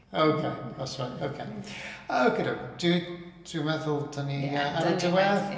Ok that's right, ok , okie doke. Dwi dwi'n meddwl dan ni ar y diwedd.